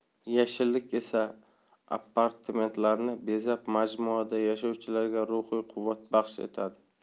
yashillik esa apartamentlarni bezab majmuada yashovchilarga ruhiy quvvat baxsh etadi